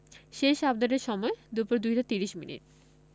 শেষ আপডেটের সময় দুপুর ২টা ৩০ মিনিট